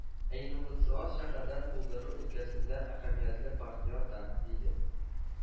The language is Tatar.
Ә инновацион шәһәрләр булдыру өлкәсендә әһәмиятле партнер да, диде